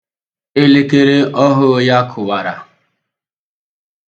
Elekere ọhụrụ ya kụwara.